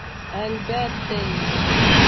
Әлбәттә инде!